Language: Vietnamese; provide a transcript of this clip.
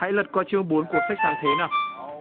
hãy lật qua chương bốn của sách sáng thế nào